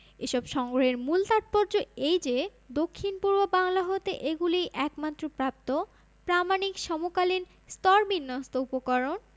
এসব সংগ্রহের মূল তাৎপর্য এই যে দক্ষিণ পূর্ব বাংলা হতে এগুলিই একমাত্র প্রাপ্ত প্রামাণিক সমকালীন স্তরবিন্যস্ত উপকরণ